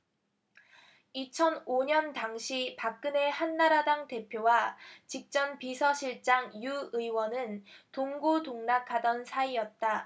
이천 오 년 당시 박근혜 한나라당 대표와 직전 비서실장 유 의원은 동고동락하던 사이었다